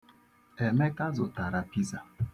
Emeka zụtara piza.